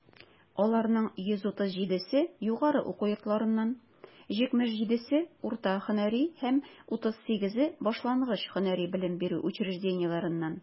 Аларның 137 се - югары уку йортларыннан, 77 - урта һөнәри һәм 38 башлангыч һөнәри белем бирү учреждениеләреннән.